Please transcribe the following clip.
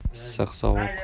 issiq sovuq